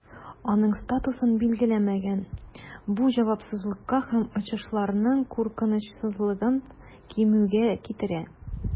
Аның статусы билгеләнмәгән, бу җавапсызлыкка һәм очышларның куркынычсызлыгын кимүгә китерә.